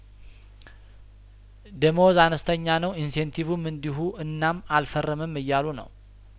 ደሞዝ አነስተኛ ነው ኢንሴን ቲቩም እንዲሁ እናም አልፈርምም እያሉ ነው